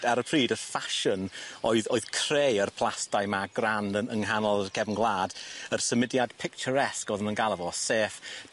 Ar y pryd y ffasiwn oedd oedd creu yr plastai 'ma grand yn yng nghanol yr cefyn gwlad yr symudiad picturesque oddon nw'n galw fo sef